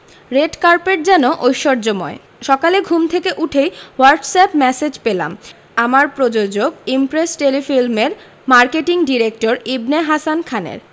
red carpet যেন ঐশ্বর্যময় সকালে ঘুম থেকে উঠেই হোয়াটসঅ্যাপ ম্যাসেজ পেলাম আমার প্রযোজক ইমপ্রেস টেলিফিল্মের মার্কেটিং ডিরেক্টর ইবনে হাসান খানের